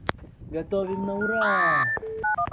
готовим на ура